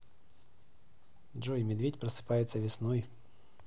джой медведь просыпается весной